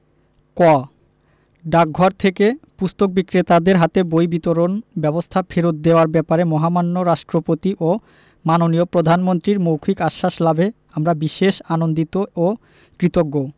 ক ডাকঘর থেকে পুস্তক বিক্রেতাদের হাতে বই বিতরণ ব্যবস্থা ফেরত দেওয়ার ব্যাপারে মহামান্য রাষ্ট্রপতি ও মাননীয় প্রধানমন্ত্রীর মৌখিক আশ্বাস লাভে আমরা বিশেষ আনন্দিত ও কৃতজ্ঞ